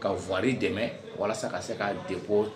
Ka vwa dɛmɛ walasa ka se k'a de ko